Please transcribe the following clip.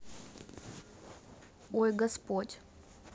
ой господь